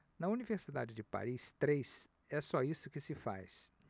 na universidade de paris três é só isso que se faz